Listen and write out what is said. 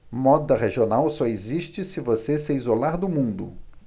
moda regional só existe se você se isolar do mundo